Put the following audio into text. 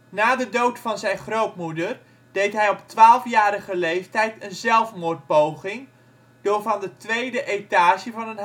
Na de dood van zijn grootmoeder deed hij op 12-jarige leeftijd een zelfmoordpoging door van de tweede etage van